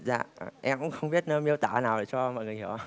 dạ em cũng không biết miêu tả như nào để cho mọi người hiểu ạ